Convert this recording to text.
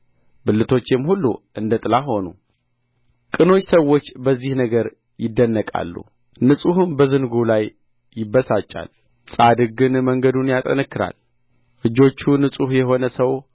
ብልቶቼም ሁሉ እንደ ጥላ ሆኑ ቅኖች ሰዎች በዚህ ነገር ይደነቃሉ ንጹሕም በዝንጉው ላይ ይበሳጫል ጻድቅ ግን መንገዱን ያጠነክራል እጁም ንጹሕ የሆነ ሰው